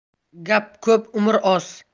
gap ko'p umr oz